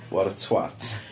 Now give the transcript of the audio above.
What a twat.